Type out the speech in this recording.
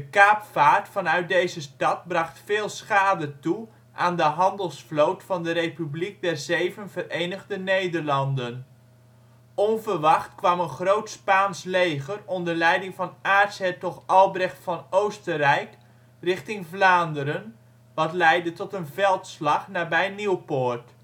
kaapvaart vanuit deze stad bracht veel schade toe aan de handelsvloot van de Republiek der Zeven Verenigde Nederlanden. Onverwacht kwam een groot Spaans leger onder leiding van aartshertog Albrecht van Oostenrijk richting Vlaanderen, wat leidde tot een veldslag nabij Nieuwpoort